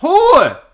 Who?